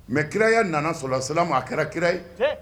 Mɛ kiraya nana sola sala ma a kɛra kira ye